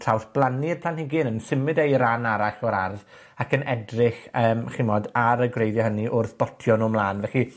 traws-blannu'r planhigyn, yn symud e i ran arall o'r ardd, ac yn edrych yym chi 'mod ar y gwreiddie hynny wrth botio nw ymlan. Felly,